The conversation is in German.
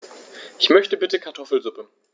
Ich möchte bitte Kartoffelsuppe.